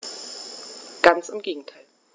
Ganz im Gegenteil.